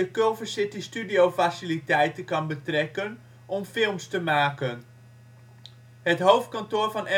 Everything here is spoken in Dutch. Culver City-studiofaciliteiten kan betrekken om films te maken. Het hoofdkantoor van